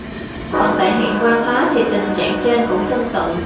còn tại huyện quan hóa thì tình trạng trên cũng tương tự